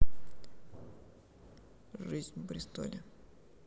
жизнь в бристоле